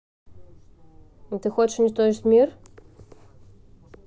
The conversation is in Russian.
а ты хочешь уничтожить мир